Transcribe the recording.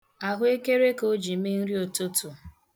Ahụekere ka o ji mee nri ụtụtụ.